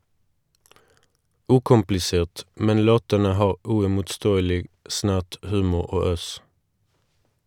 Ukomplisert, men låtene har uimotståelig snert, humor og øs.